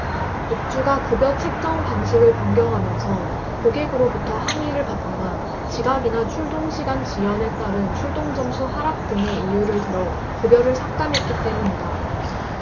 업주가 급여 책정 방식을 변경하면서 고객으로부터 항의를 받거나 지각이나 출동 시간 지연에 따른 출동점수 하락 등의 이유를 들어 급여를 삭감했기 때문이다